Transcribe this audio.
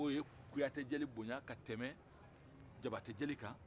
o u ye kuyatɛ jeli bonyan ka tɛmɛ jabatɛ jeli kan